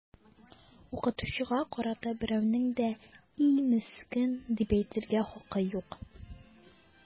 Укытучыга карата берәүнең дә “и, мескен” дип әйтергә хакы юк!